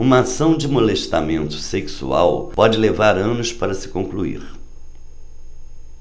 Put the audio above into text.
uma ação de molestamento sexual pode levar anos para se concluir